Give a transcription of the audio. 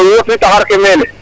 wo fi' taxar ke nene